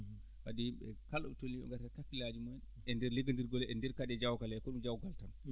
ko adi yimɓe ɓee kala ɗo ɓe tolnii yo ɓe ngartir kakkillaaji mum e ndeer liggondirgol e ndeer kadi jawkal hee ko ɗum jawkal tan